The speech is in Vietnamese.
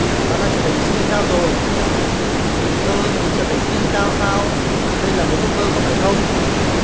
bạn đã trở thành một siêu nhân gao rồi ơ mình trở thành siêu nhân gao sao đây là một giấc mơ có phải không